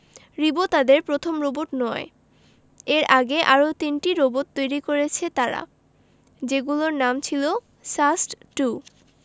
রিবো তাদের প্রথম রোবট নয় এর আগে আরও তিনটি রোবট তৈরি করেছে তারা যেগুলোর নাম ছিল সাস্ট টু